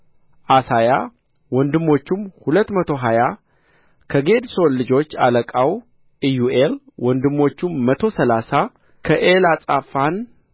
ዓሣያ ወንድሞቹም ሁለት መቶ ሀያ ከጌድሶን ልጆች አለቃው ኢዮኤል ወንድሞቹም መቶ ሠላሳ ከኤሊጻፋን